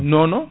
non non